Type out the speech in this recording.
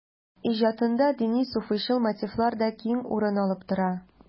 Иҗатында дини-суфыйчыл мотивлар да киң урын алып тора.